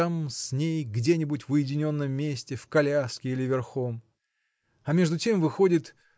там с ней где-нибудь в уединенном месте в коляске или верхом. А между тем выходит